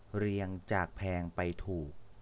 เรียงจากแพงไปถูก